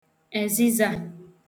èzịzā